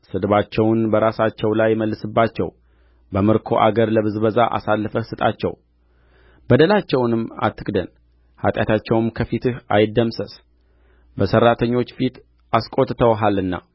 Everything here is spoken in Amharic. ስድባቸውን በራሳቸው ላይ መልስባቸው በምርኮ አገር ለብዝበዛ አሳልፈህ ስጣቸው በደላቸውንም አትክደን ኃጢአታቸውም ከፊትህ አይደምሰስ በሠራተኞች ፊት አስቆጥተውሃልና